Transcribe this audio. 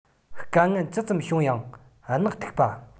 དཀའ ངལ ཇི ཙམ བྱུང ཡང མནག ཐུབ པ